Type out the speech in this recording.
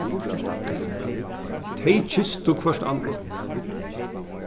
tey kystu hvørt annað